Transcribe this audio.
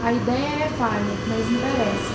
a idéia é falha mas interessa